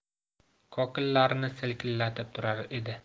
kokillarini selkillatib turar edi